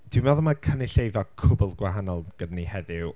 Dwi'n meddwl mae cynulleidfa cwbl gwahanol gyda ni heddiw...